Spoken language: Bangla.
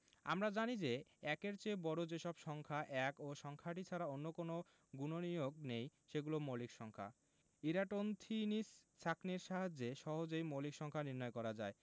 আমরা জানি যে ১-এর চেয়ে বড় যে সব সংখ্যা ১ ও সংখ্যাটি ছাড়া অন্য কোনো গুণনীয়ক নেই সেগুলো মৌলিক সংখ্যা ইরাটোন্থিনিস ছাঁকনির সাহায্যে সহজেই মৌলিক সংখ্যা নির্ণয় করা যায়